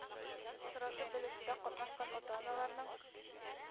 Сорашып-белешүдә катнашкан ата-аналарның